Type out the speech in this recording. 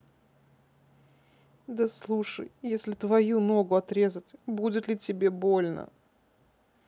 да слушай если твою ногу отрезать будет ли тебе больно